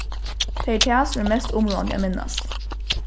tað er tað sum er mest umráðandi at minnast